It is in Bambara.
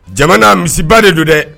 Jamana misiba de don dɛ